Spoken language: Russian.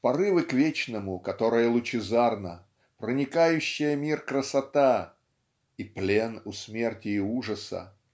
Порывы к вечному, которое лучезарно, проникающая мир красота и плен у смерти и ужаса